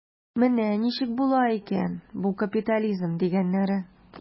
Менә ничек була икән бу капитализм дигәннәре.